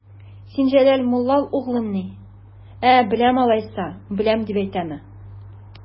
Син Җәләл мулла угълымыни, ә, беләм алайса, беләм дип әйтәме?